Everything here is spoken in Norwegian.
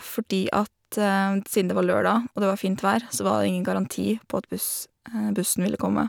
Fordi at siden det var lørdag og det var fint vær så var det ingen garanti på at buss bussen ville komme.